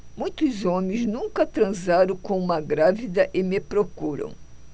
muitos homens nunca transaram com uma grávida e me procuram